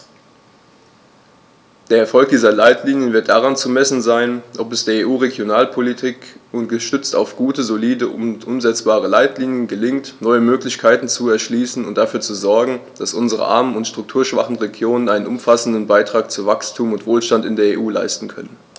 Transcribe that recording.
Der Erfolg dieser Leitlinien wird daran zu messen sein, ob es der EU-Regionalpolitik, gestützt auf gute, solide und umsetzbare Leitlinien, gelingt, neue Möglichkeiten zu erschließen und dafür zu sogen, dass unsere armen und strukturschwachen Regionen einen umfassenden Beitrag zu Wachstum und Wohlstand in der EU leisten können.